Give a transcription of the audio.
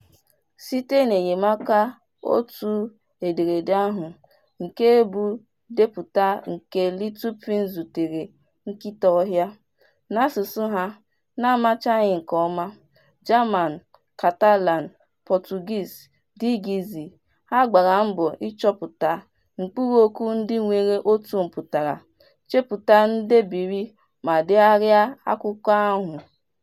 Site n'enyemaka otu ederede ahụ (nke bụ ndepụta nke Little Prince zutere nkịta ọhịa) n’asụsụ ha na-amachaghị nke ọma (German, Catalan, Portuguese, wdg) ha gbara mbọ ịchọpụta mkpụrụokwu ndị nwere otu mpụtara, chepụta ndebiri, ma degharịa akụkọ ahụ.